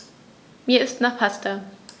Mir ist nach Pasta.